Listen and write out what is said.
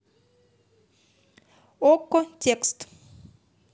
окко текст